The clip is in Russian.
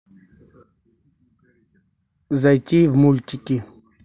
зайти в мультики